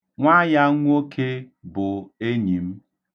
Nwa ya nwoke bụ enyi m.